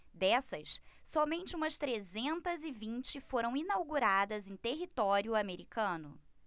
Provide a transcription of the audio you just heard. dessas somente umas trezentas e vinte foram inauguradas em território americano